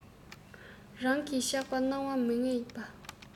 རང གི ཆགས པ སྣང བ མ ངེས པས